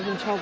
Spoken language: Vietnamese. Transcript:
xong